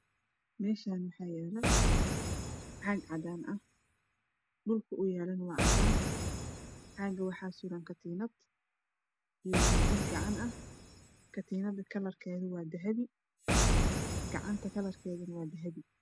Meeshaan waxaa yaala caag cadaan ah dhulka uu yaala waa cadaan caaga waxaa suran katiinad iyo jijin gacan ah katiinada kalarkedu waa dahabi gacanta kalarkeduna waa dahabi